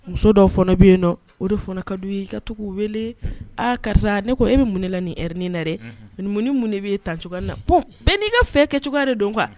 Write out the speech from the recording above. Muso dɔ fana bɛ yen nɔ o de fana ka ye i ka tugu weele aaa karisa ne ko e bɛ mun ne la ni ni na dɛum minnu de b bɛ e tan cogoya na bɛn n'i ka fɛ kɛ cogoya de don kuwa